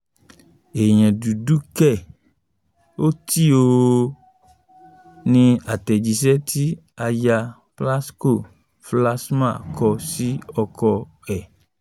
”ÈÈYÀN DÚDÚ KẸ̀? ‘Ò TÍ OOOOOOOOOOOOOOOOO,” ni àtẹ̀jíṣẹ́ tí Aya Plasco-Flaxman kọ sí ọkọ ẹ̀.